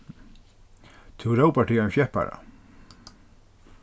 tú rópar teg ein fjeppara